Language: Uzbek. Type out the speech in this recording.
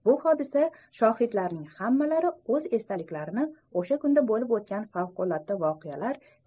bu hodisa shohidlarining hammasi o'z esdaliklarini o'sha kunda bo'lib o'tgan favqulodda voqealar